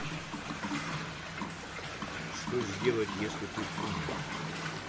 что сделать если ты пумба